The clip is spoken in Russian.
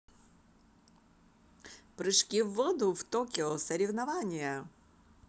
прыжки в воду в токио соревнования